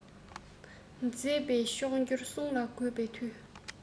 མཛད པའི མཆོག གྱུར གསུང ལ གུས པས འདུད